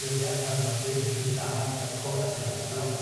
sehr teure Film führte damals als kommerzieller Flop